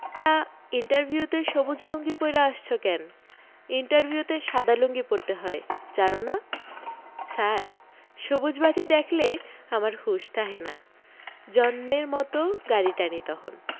তা ইন্টারভিউ তে সবুজ লুঙ্গি পইড়া আসছো কেন ইন্টারভিউতে সাদা লুঙ্গি পড়তে হয় জানো না ছার সবুজ বাতি দ্যাখলে আমার হুশ থাহেনা জম্মের মত গাড়ি টানি তহন